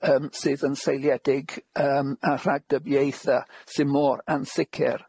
yym sydd yn seiliedig yym a rhagdybiaethe sy mor ansicir.